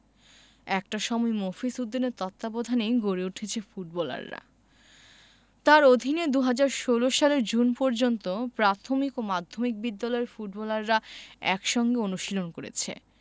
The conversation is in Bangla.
একটা সময় মফিজ উদ্দিনের তত্ত্বাবধানেই গড়ে উঠেছে ফুটবলাররা তাঁর অধীনে ২০১৬ সালের জুন পর্যন্ত প্রাথমিক ও মাধ্যমিক বিদ্যালয়ের ফুটবলাররা একসঙ্গে অনুশীলন করেছে